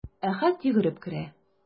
Әхәт йөгереп керә.